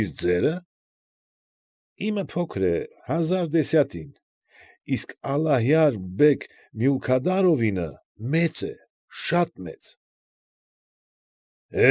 Իսկ ձե՞րը։ ֊ Իմը փոքր է, հազար դեսյատին, իսկ Ալլահյար֊բեգ Մյուլքադարովինը մեծ է, շատ մեծ։ ֊